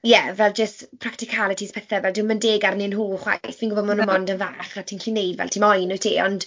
Ie fel jyst practicalities pethe, fel dyw e'm yn deg arnyn nhw chwaith. Fi'n gwybod bod nhw mond yn fach a ti'n gallu wneud fel ti moyn wyt ti, ond...